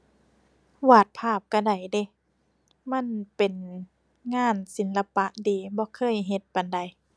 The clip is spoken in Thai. วาดภาพก็ได้เดะ มันเป็นงานศิลปะดี บ่เคยเฮ็ดปานใด